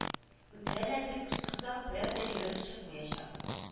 Үтерәләр дип кычкырсаң берәү дә йөгереп чыкмаячак